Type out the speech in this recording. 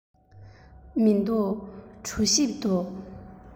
མི འདུག གྲོ ཞིབ འདུག